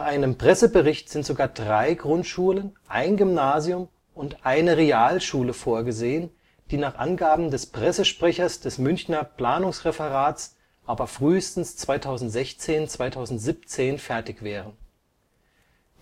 einem Pressebericht sind sogar drei Grundschulen, ein Gymnasium und eine Realschule vorgesehen, die nach Angaben des Pressesprechers des Münchner Planungsreferats aber frühestens 2016/17 fertig wären.